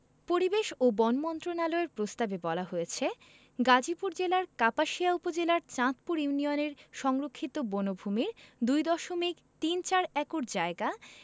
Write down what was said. পরিবেশ ও বন মন্ত্রণালয়ের প্রস্তাবে বলা হয়েছে গাজীপুর জেলার কাপাসিয়া উপজেলার চাঁদপুর ইউনিয়নের সংরক্ষিত বনভূমির ২ দশমিক তিন চার একর জায়গা